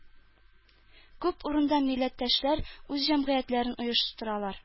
Күп урында милләттәшләр үз җәмгыятьләрен оештыралар